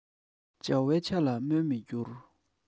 བྱ བའི ཆ ལ རྨོངས མི འགྱུར